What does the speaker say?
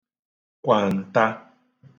kwàǹta